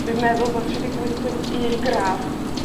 Dwi'n meddwl bod tri deg wyth pwynt un gradd